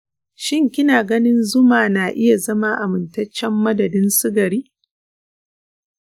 shin kina ganin zuma na iya zama amintaccen madadin sukari?